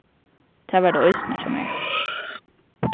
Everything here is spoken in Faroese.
tað var tað eisini hjá mær